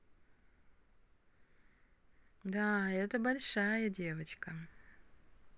да это большая девочка